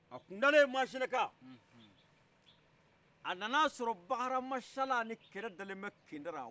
a kundalen maasina kan a nana sɔrɔ bakaramasala ni kɛlɛ dalen bɛ kindira